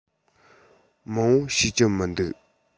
མང པོ ཤེས ཀྱི མི འདུག